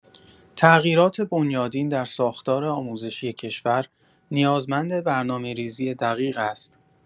تغییرات بنیادین در ساختار آموزشی کشور، نیازمند برنامه‌ریزی دقیق است.